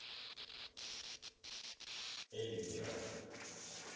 эльвира